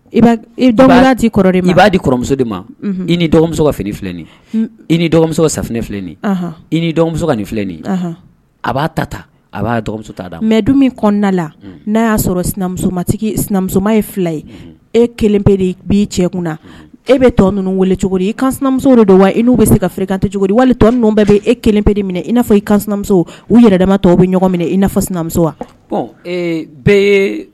B'amuso i nimuso fini i nimusof filɛ i nimuso filɛi a b'a tata a b'amuso mɛ dumunida la n'a y'a sɔrɔ sinamuso sinamuso ye fila ye e kelen pe de b cɛ kun na e bɛ tɔ ninnu wele cogo di imuso don wa i n'u bɛ se ka feere kan cogo di wali tɔ ninnu bɛ e kelen pe de minɛ n'a fɔ imuso u yɛrɛ tɔw bɛ ɲɔgɔn min ia fɔ sinamuso